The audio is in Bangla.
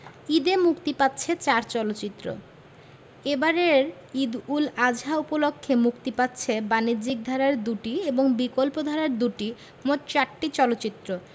ঈদে মুক্তি পাচ্ছে চার চলচ্চিত্র এবারের ঈদ উল আযহা উপলক্ষে মুক্তি পাচ্ছে বাণিজ্যিক ধারার দুটি এবং বিকল্পধারার দুটি মোট চারটি চলচ্চিত্র